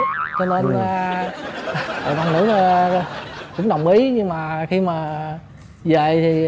cho nên a cũng cũng đồng ý nhưng mà khi mà dề thì